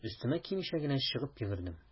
Өстемә кимичә генә чыгып йөгердем.